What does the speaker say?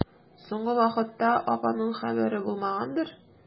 Соңгы вакытта апаңның хәбәре булмагандыр?